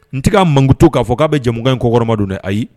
Ntigi'a mun to k'a fɔ k'a bɛ jɛ jamu in kokɔrɔma don dɛ ayi